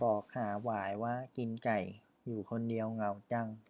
บอกหาหวายว่ากินไก่อยู่คนเดียวเหงาจัง